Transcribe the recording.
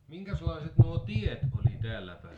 minkäslaiset nuo tiet oli täällä päin